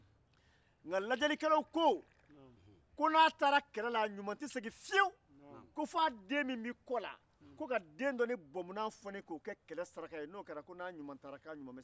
nka lajɛlikelaw ko ko n'a taara kɛlɛ la k'a ɲuman te segin fiyewu fo n'a den kɔlama dɔ kɛra sara ye